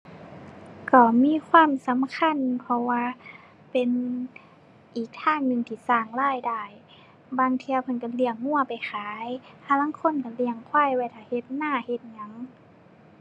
ก็มีความสำคัญ เพราะว่าเป็นอีกทางหนึ่งที่สร้างรายได้ บางเที่ยเพิ่นก็เลี้ยงงัวไปขาย ห่าลางคนก็เลี้ยงควายไว้ท่าเฮ็ดนาเฮ็ดหยัง